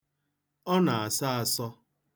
Ọ na-asọ asọ.